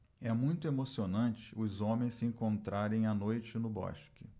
é muito emocionante os homens se encontrarem à noite no bosque